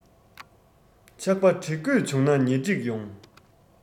ཆགས པ སྒྲིག དགོས བྱུང ན ཉ སྒྲིག ཡོང